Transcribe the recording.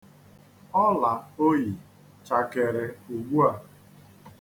Ọla o yi chakere ugbu a.